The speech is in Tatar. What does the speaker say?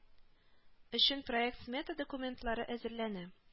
Өчен проект-смета документлары әзерләнә